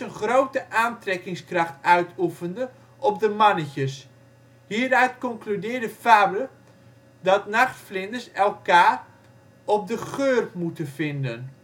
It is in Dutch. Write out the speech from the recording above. grote aantrekkingskracht uitoefende op de mannetjes. Hieruit concludeerde Fabre dat nachtvlinders elkaar op de geur moeten vinden